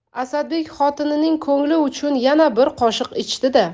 asadbek xotinining ko'ngli uchun yana bir qoshiq ichdi da